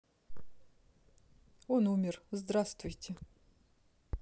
он умер здравствуйте